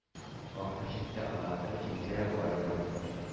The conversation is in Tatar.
Ахыр чиктә аңа кем җиңсә дә барыбер.